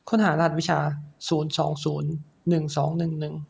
ค้นหารหัสวิชาศูนย์สองศูนย์หนึ่งสองหนึ่งหนึ่ง